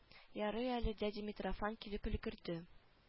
Ярый әле дядя митрофан килеп өлгерде